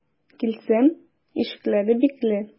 Килсәм, ишекләре бикле.